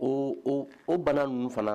Ɔ o bana ninnu fana